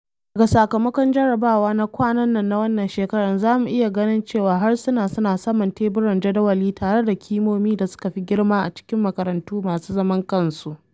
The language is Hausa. Daga sakamakon jarrabawa na kwanan nan na wannan shekara, za mu iya ganin cewa harsuna suna saman teburan jaddawali tare da kimomi da suka fi girma a cikin makarantu masu zaman kansu.